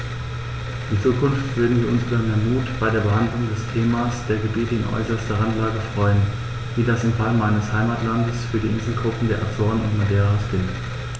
In Zukunft würden wir uns über mehr Mut bei der Behandlung des Themas der Gebiete in äußerster Randlage freuen, wie das im Fall meines Heimatlandes für die Inselgruppen der Azoren und Madeiras gilt.